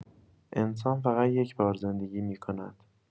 انسان فقط یک‌بار زندگی می‌کند.